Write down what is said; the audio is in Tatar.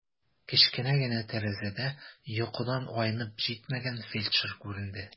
Кечкенә генә тәрәзәдә йокыдан айнып җитмәгән фельдшер күренде.